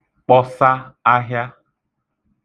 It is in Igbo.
kpọsa ahịa